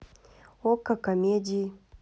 окко комедии